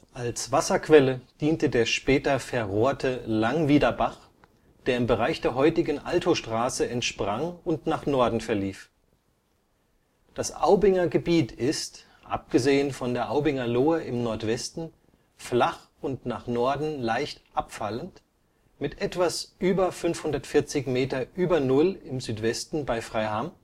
Als Wasserquelle diente der später verrohrte Langwieder Bach, der im Bereich der heutigen Altostraße entsprang und nach Norden verlief. Das Aubinger Gebiet ist, abgesehen von der Aubinger Lohe im Nordwesten, flach und nach Norden leicht abfallend, mit etwas über 540 Meter über Null im Südwesten bei Freiham